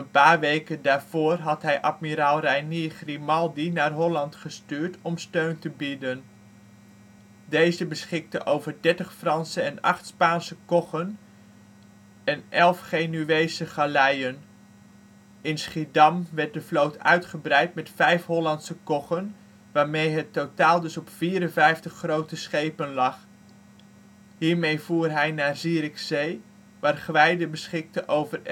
paar weken daarvoor had hij admiraal Reinier Grimaldi naar Holland gestuurd om steun te bieden. Deze beschikte over 30 Franse en 8 Spaanse koggen en elf Genuese galeien. In Schiedam werd de vloot uitgebreid met 5 Hollandse koggen, waarmee het totaal dus op 54 grote schepen lag. Hiermee voer hij naar Zierikzee, waar Gwijde beschikte over